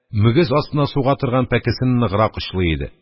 Мөгез астына суга торган пәкесене ныграк очлый иде.